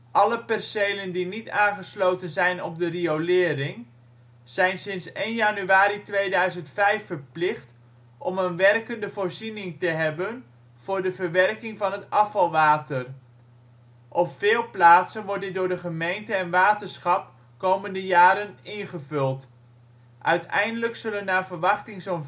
Alle percelen die niet aangesloten zijn op de riolering, zijn sinds 1 januari 2005 verplicht om een werkende voorziening te hebben voor de verwerking van het afvalwater. Op veel plaatsen wordt dit door gemeente en waterschap komende jaren ingevuld. Uiteindelijk zullen naar verwachting zo